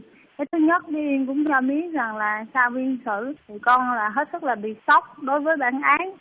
thứ nhất mỹ uyên cũng cho biết rằng là sau phiên xử thì coi là hết sức là bị sốc đối với bản án